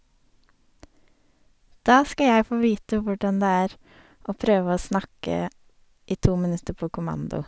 Da skal jeg få vite hvordan det er å prøve å snakke i to minutter på kommando.